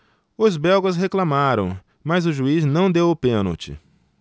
os belgas reclamaram mas o juiz não deu o pênalti